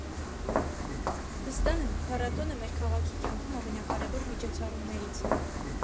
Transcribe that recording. Վստահ եմ՝ փառատոնը մեր քաղաքի կյանքում ամենակարևոր միջոցառումներից է։